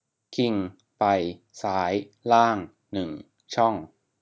คิงไปซ้ายล่างหนึ่งช่อง